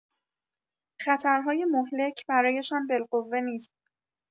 خطرهای مهلک برایشان بالقوه نیست.